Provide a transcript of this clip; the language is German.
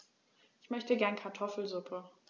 Ich möchte gerne Kartoffelsuppe.